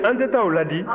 an tɛ taa u laadi